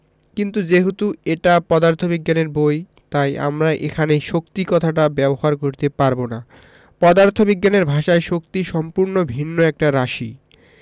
কিন্তু যেহেতু এটা পদার্থবিজ্ঞানের বই তাই আমরা এখানে শক্তি কথাটা ব্যবহার করতে পারব না পদার্থবিজ্ঞানের ভাষায় শক্তি সম্পূর্ণ ভিন্ন একটা রাশি